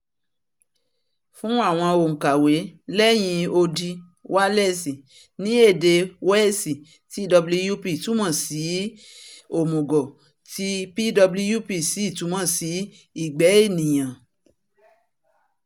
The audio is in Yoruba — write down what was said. Fún àwọn òǹkàwé lẹ́yìn odi Wales. Ní èdè Welsh twp tumọ sí òmùgọ̀ tí pwp sì tumọ sí ìgbẹ́ ènìyàn.